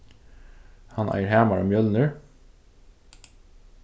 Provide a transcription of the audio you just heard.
hann eigur hamaran mjølnir